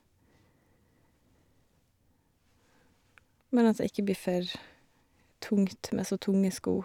Men at det ikke blir for tungt med så tunge sko.